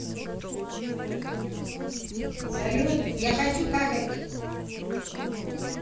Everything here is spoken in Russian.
салют я хочу какать